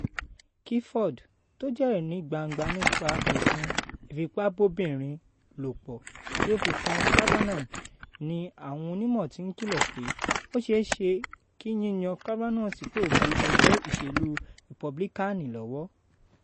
Kí Ford tó jẹ́rìí ní gbangba nípa ẹ̀sùn ìfipábóbìnrin lòpọ̀ tí ó fi kan Kavanaugh ni àwọn onímọ̀ ti ń kìlọ̀ pé ó ṣeéṣe kí yíyan Kavanaugh sípò bu ẹgbẹ́ ìṣèlú Rìpúbílíkáànì lọ́wọ́.